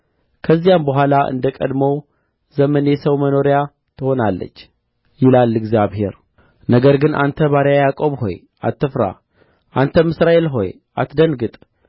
ከዚያም በኋላ አንደ ቀድሞው ዘመን የሰው መኖሪያ ትሆናለች ይላል እግዚአብሔር ነገር ግን አንተ ባሪያዬ ያዕቆብ ሆይ አትፍራ አንተም እስራኤል ሆይ አትደንግጥ